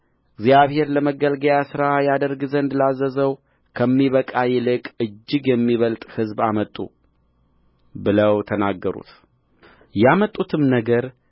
እግዚአብሔር ለማገልገያ ሥራ ይደረግ ዘንድ ላዘዘው ከሚበቃ ይልቅ እጅግ የሚበልጥ ሕዝቡ አመጡ ብለው ተናገሩት ያመጡትም ነገር